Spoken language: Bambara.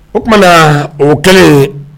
O t na o kɛlen